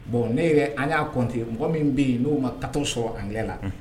Bon ne yɛrɛ an y'a cote mɔgɔ min bɛ yen n'o ma ka sɔrɔ an la